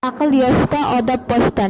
aql yoshdan odob boshdan